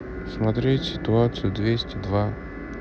смотреть ситуацию двести два